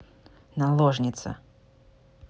наложница